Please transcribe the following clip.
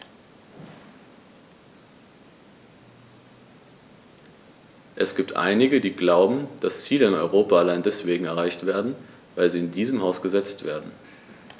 Es gibt einige, die glauben, dass Ziele in Europa allein deswegen erreicht werden, weil sie in diesem Haus gesetzt werden.